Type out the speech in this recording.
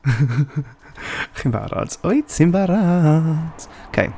Chi'n barod? Wyt ti'n barod? Ok.